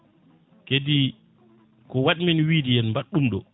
kadi ko wadmen wiide yen mbat ɗum ɗo